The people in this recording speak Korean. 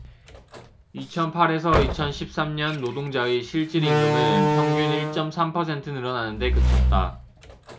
이천 팔 에서 이천 십 삼 년 노동자의 실질임금은 평균 일 쩜 삼 퍼센트 늘어나는 데 그쳤다